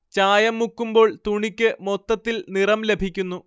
ചായം മുക്കുമ്പോൾ തുണിക്ക് മൊത്തത്തിൽ നിറം ലഭിക്കുന്നു